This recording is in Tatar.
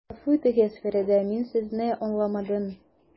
Гафу итегез, Фәридә, мин Сезне аңламадым.